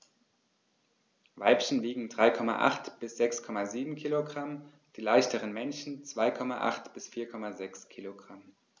Weibchen wiegen 3,8 bis 6,7 kg, die leichteren Männchen 2,8 bis 4,6 kg.